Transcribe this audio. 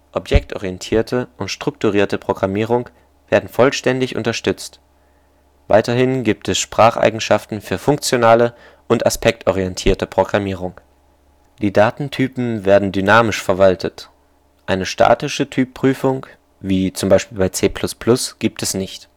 Objektorientierte und strukturierte Programmierung werden vollständig unterstützt, weiterhin gibt es Spracheigenschaften für funktionale und aspektorientierte Programmierung. Die Datentypen werden dynamisch verwaltet; eine statische Typprüfung (wie z. B. bei C++) gibt es nicht